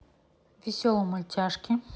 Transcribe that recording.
веселые мультяшки